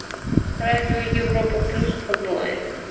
радио европа плюс онлайн